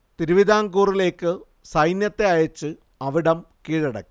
തിരുവിതാംകൂറിലേക്ക് സൈന്യത്തെ അയച്ച് അവിടം കീഴടക്കി